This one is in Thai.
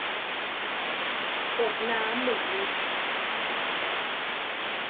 กดน้ำหนึ่งลิตร